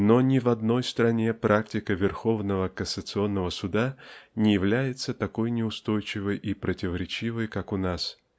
Но ни в одной стране практика верховного кассационного суда не является такой неустойчивой и противоречивой как у нас